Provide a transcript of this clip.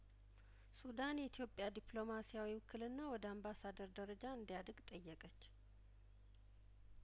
ሱዳን የኢትዮጵያ ዲፕሎማሲያዊ ውክልና ወደ አምባሳደር ደረጃ እንዲ ያድግ ጠየቀች